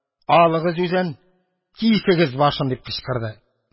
Алыгыз үзен, кисегез башын! – дип кычкырды.